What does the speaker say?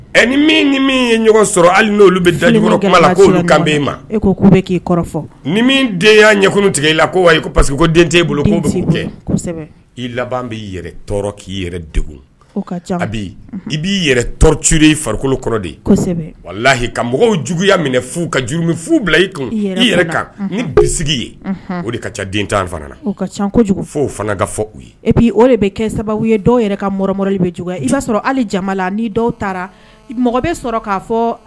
K' i b'i farikolo kɔrɔ de wa layi mɔgɔw juguyaya minɛ ka jurumi bila i kun kan nisigi ye o de ka ca den tan ca kojugu fow fana ka fɔ u ye epi o de bɛ kɛ sababu ye dɔw yɛrɛ ka bɛ i'a sɔrɔ hali la dɔw taara mɔgɔ bɛ sɔrɔ k fɔ